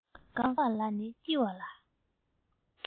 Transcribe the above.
མཱེ མཱེ དགའ བ ལ ནི སྐྱིད པ ལ